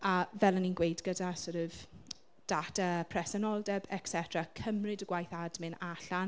A fel o'n i'n gweud gyda sort of data presenoldeb et cetera cymryd y gwaith admin allan.